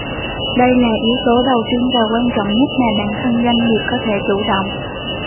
đây là yếu tố đầu tiên và quan trọng nhất mà bản thân doanh nghiệp có thể chủ động